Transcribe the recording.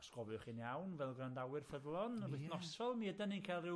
Os gofiwch chi'n iawn, fel gwrandawyr ffyddlon, yn wythnosol, mi ydan ni'n ca'l ryw